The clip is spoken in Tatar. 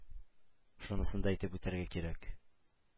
Шунысын да әйтеп үтәргә кирәк: